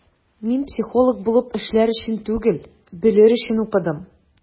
Мин психолог булып эшләр өчен түгел, белер өчен укыдым.